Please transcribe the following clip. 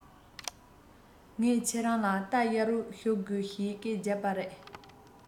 ངས ཁྱེད རང ལ རྟ གཡར རོགས ཞུ དགོས ཞེས སྐད རྒྱབ པ རེད